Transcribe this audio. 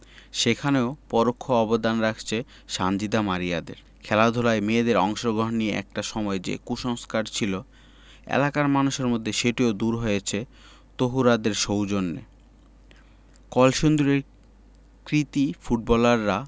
সেখানেও পরোক্ষ অবদান আছে সানজিদা মারিয়াদের খেলাধুলায় মেয়েদের অংশগ্রহণ নিয়ে একটা সময় যে কুসংস্কার ছিল এলাকার মানুষের মধ্যে সেটিও দূর হয়েছে তহুরাদের সৌজন্যে কলসিন্দুরের কৃতী ফুটবলাররা